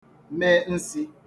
me nsī